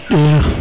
iyo